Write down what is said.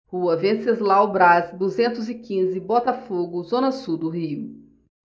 rua venceslau braz duzentos e quinze botafogo zona sul do rio